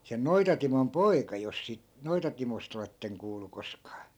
sen Noita-Timon poika jos siitä Noita-Timosta olette kuullut koskaan